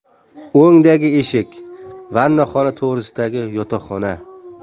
o'ngdagi eshik vannaxona to'g'ridagisi yotoqxona